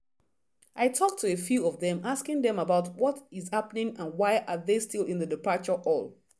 I talked to a few of them asking them about what is happening and why are they still in the departure hall.